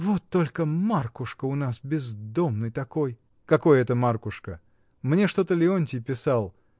— Вот только Маркушка у нас бездомный такой. — Какой это Маркушка? Мне что-то Леонтий писал.